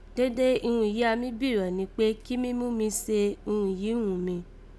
Dede irun yìí a mí bírọ̀ ni kpé, kí mí mú mi se irun yìí ghùn mí.?